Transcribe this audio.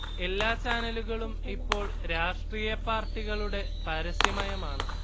എല്ലാ ചാനലുകളും ഇപ്പോൾ രാഷ്ട്രീയ പാർട്ടികളുടെ പരസ്യ മയമാണ്